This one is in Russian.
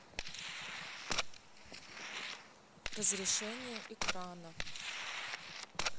разрешение экрана